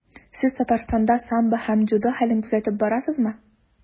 Сез Татарстанда самбо һәм дзюдо хәлен күзәтеп барасызмы?